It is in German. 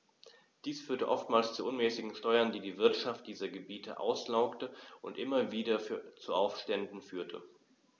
Dies führte zu oftmals unmäßigen Steuern, die die Wirtschaft dieser Gebiete auslaugte und immer wieder zu Aufständen führte.